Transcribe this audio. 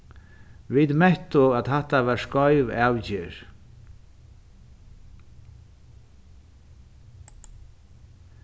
vit mettu at hatta var skeiv avgerð